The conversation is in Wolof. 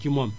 ci moom